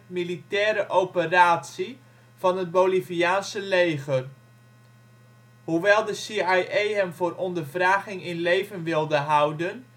militaire operatie van het Boliviaanse leger. Hoewel de CIA hem voor ondervraging in leven wilde houden